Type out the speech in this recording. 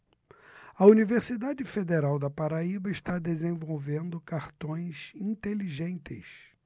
a universidade federal da paraíba está desenvolvendo cartões inteligentes